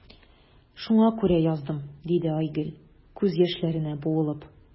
Шуңа күрә яздым,– диде Айгөл, күз яшьләренә буылып.